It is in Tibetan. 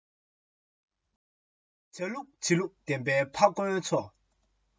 རྡེའུ བཅུད ལེན རང སྡུག རང གིས ཉོས